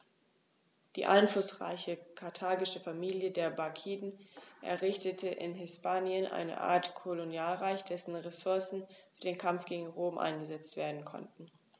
Die einflussreiche karthagische Familie der Barkiden errichtete in Hispanien eine Art Kolonialreich, dessen Ressourcen für den Kampf gegen Rom eingesetzt werden konnten.